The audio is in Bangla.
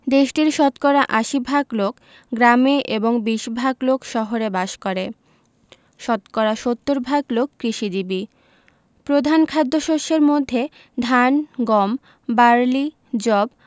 দেশটির শতকরা ৮০ ভাগ লোক গ্রামে এবং ২০ ভাগ লোক শহরে বাস করে শতকরা ৭০ ভাগ লোক কৃষিজীবী প্রধান খাদ্যশস্যের মধ্যে ধান গম বার্লি যব